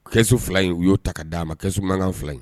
Caisse 2 in u y'o ta ka d'a ma xaisse mankan 2 in